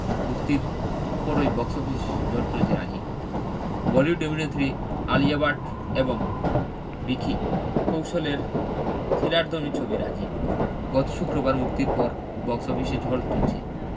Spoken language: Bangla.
মুক্তির পরই বক্স অফিস ঝড় তুলেছে রাজি বলিউড অভিনেত্রী আলিয়া ভাট এবং ভিকি কৌশলের থিলারধর্মী ছবি রাজী গত শুক্রবার মুক্তির পরই বক্স অফিসে ঝড় তুলছে